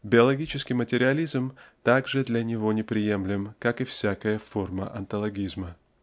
Биологический материализм так же для него неприемлем как и всякая форма онтологизма.